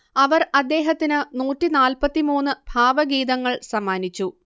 അവർ അദ്ദേഹത്തിന് നൂറ്റി നാൽപത്തി മൂന്ന് ഭാവഗീതങ്ങൾ സമ്മാനിച്ചു